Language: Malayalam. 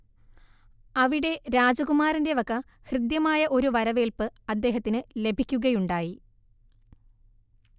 അവിടെ രാജകുമാരന്റെ വക ഹൃദ്യമായ ഒരു വരവേൽപ്പ് അദ്ദേഹത്തിന് ലഭിക്കുകയുണ്ടായി